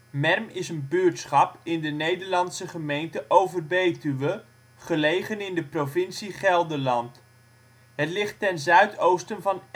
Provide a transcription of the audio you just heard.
Merm is een buurtschap in de Nederlandse gemeente Overbetuwe, gelegen in de provincie Gelderland. Het ligt ten zuidoosten van